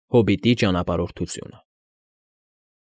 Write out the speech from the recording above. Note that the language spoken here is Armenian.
Հոբիտի ճանապարհորդությունը»։